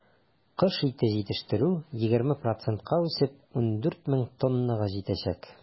Кош ите җитештерү, 20 процентка үсеп, 14 мең тоннага җитәчәк.